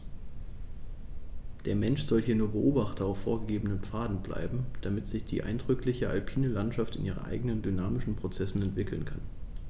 Der Mensch soll hier nur Beobachter auf vorgegebenen Pfaden bleiben, damit sich die eindrückliche alpine Landschaft in ihren eigenen dynamischen Prozessen entwickeln kann.